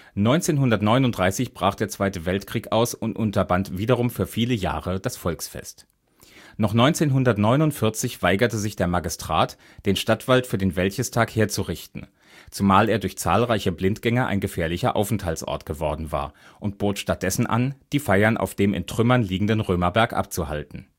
1939 brach der Zweite Weltkrieg aus und unterband wiederum für viele Jahre das Volksfest. Noch 1949 weigerte sich der Magistrat, den Stadtwald für den Wäldchestag herzurichten, zumal er durch zahlreiche Blindgänger ein gefährlicher Aufenthaltsort geworden war, und bot stattdessen an, die Feiern auf dem in Trümmern liegenden Römerberg abzuhalten